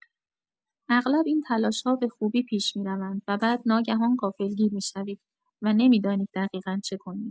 اغلب این تلاش‌ها به‌خوبی پیش می‌روند و بعد ناگهان غافلگیر می‌شوید و نمی‌دانید دقیقا چه کنید.